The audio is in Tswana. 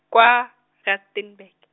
kwa, Rustenburg.